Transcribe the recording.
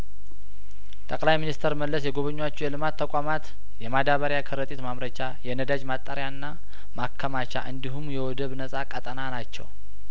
ጠቅላይ ሚኒስተር መለስ የጐበኟቸው የልማት ተቋማት የማዳበሪያ ከረጢት ማምረቻ የነዳጅ ማጣሪያና ማከማቻ እንዲሁም የወደብ ነጻ ቀጠና ናቸው